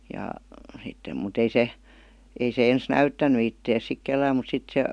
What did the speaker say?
ja sitten mutta ei se ei se ensin näyttänyt itseänsä sitten kenellekään mutta sitten se